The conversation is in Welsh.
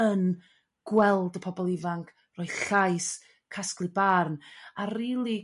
yn gweld y pobl ifanc roi llais casglu barn a rili